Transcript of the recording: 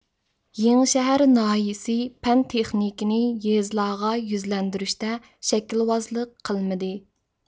يېڭىشەھەر ناھىيىسى پەن تېخنىكىنى يېزىلارغا يۈزلەندۈرۈشتە شەكىلۋازلىق قىلمىدى